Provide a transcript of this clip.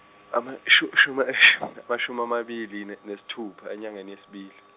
ama- ashu- ashum- amashumi amabili ne- nesithupha enyangeni yesibili.